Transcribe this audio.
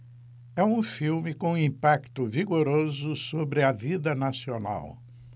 é um filme com um impacto vigoroso sobre a vida nacional